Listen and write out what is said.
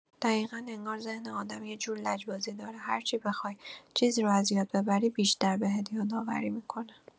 دقیقا، انگار ذهن آدم یه جور لجبازی داره، هرچی بخوای چیزی رو از یاد ببری، بیشتر بهت یادآوری می‌کنه.